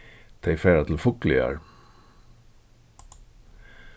tey fara til fugloyar